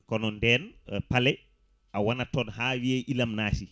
kono nden paale a wonat toon ha wiye ilma naati